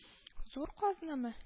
— зур казнамы